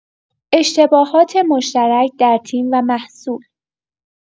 اشتباهات مشترک در تیم و محصول